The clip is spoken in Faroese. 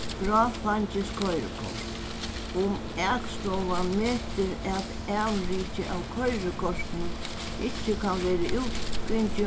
bráðfeingis koyrikort um akstovan metir at avrikið av koyrikortinum ikki kann vera útgingið